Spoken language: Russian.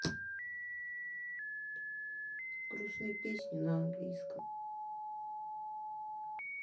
грустные песни на английском